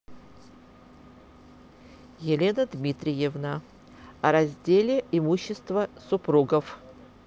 елена дмитриевна о разделе имущества супругов